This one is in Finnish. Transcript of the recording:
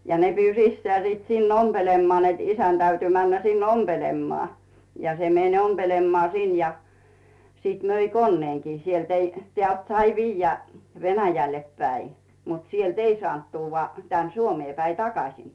ja ne pyysi isää sitten sinne ompelemaan että isän täytyi mennä sinne ompelemaan ja se meni ompelemaan sinne ja sitten myi koneenkin sieltä ei täältä sai viedä Venäjälle päin mutta sieltä ei saanut tuoda tänne Suomeen päin takaisin